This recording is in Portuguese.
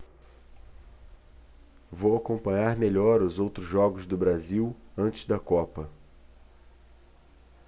vou acompanhar melhor os outros jogos do brasil antes da copa